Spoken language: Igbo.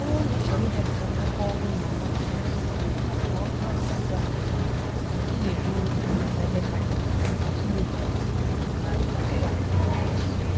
Ọ bụrụ na ịchọrọ idepụta ọkwa ọhụrụ na WordPress (2.7.1), ị ga-eburu ụzọ budata ihe karịrị 750kb.